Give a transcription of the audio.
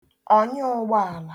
ọ̀nyaụ̄gbāàlà